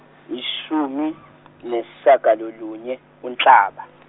yishimu nesishagalolunye uNhlaba.